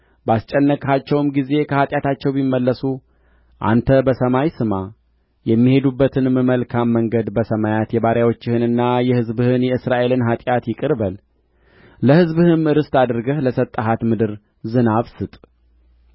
ባስጨነቅሃቸውም ጊዜ ከኃጢአታቸው ቢመለሱ አንተ በሰማይ ስማ የሚሄዱበትንም መልካም መንገድ በማሳየት የባሪያዎችህንና የሕዝብህን የእስራኤልን ኃጢአት ይቅር በል ለሕዝብህም ርስት አድርገህ ለሰጠሃት ምድር ዝናብ ስጥ